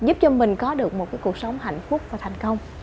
giúp cho mình có được một cái cuộc sống hạnh phúc và thành công